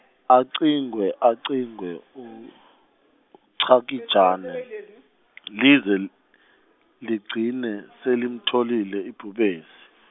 acingwe acingwe uChakijana lize l- ligcine selimtholile ibhubesi.